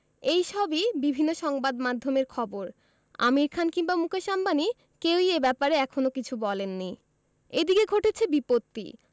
এই সবই বিভিন্ন সংবাদমাধ্যমের খবর আমির খান কিংবা মুকেশ আম্বানি কেউই এ ব্যাপারে এখনো কিছু বলেননি এদিকে ঘটেছে বিপত্তি